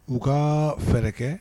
U ka fɛrɛ kɛ